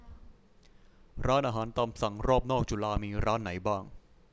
ร้านอาหารตามสั่งรอบนอกจุฬามีร้านไหนบ้าง